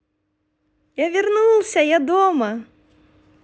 я вернулся я дома